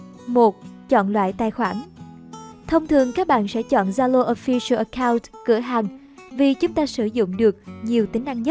chọn loại tài khoản thông thường các bạn sẽ chọn zalo official account cửa hàng vì chúng ta sử dụng được nhiều tính năng nhât